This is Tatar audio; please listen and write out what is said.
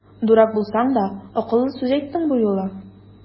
Дурак булсаң да, акыллы сүз әйттең бу юлы!